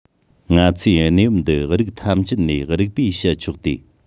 ང ཚོས གནས བབ འདི རིགས ཐམས ཅད ནས རིགས པས དཔྱད ཆོག སྟེ